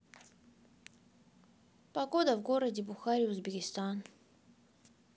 погода в городе бухаре узбекистан